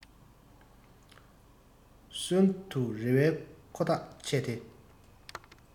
གསོན དུ རེ བའི ཁོ ཐག ཆད དེ